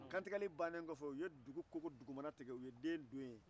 kantigɛli bannen kɔfɛ u ye dugu kogo tigɛ k'a don yen